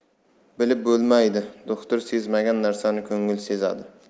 bilib bo'lmaydi do'xtir sezmagan narsani ko'ngil sezadi